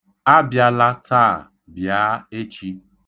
Abịala taa, bịa echi!